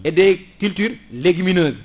et des cultures légumineuse